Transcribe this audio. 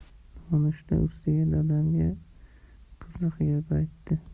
nonushta ustida dadamga qiziq gap aytdi